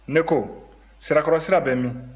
ne ko sirakɔrɔ sira bɛ min